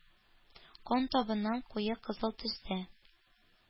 Кан табыннан куе кызыл төстә